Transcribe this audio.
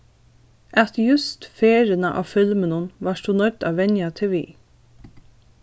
at júst ferðina á filminum vart tú noydd at venja teg við